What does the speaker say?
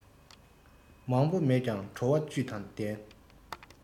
མང པོ མེད ཀྱང བྲོ བ བཅུད དང ལྡན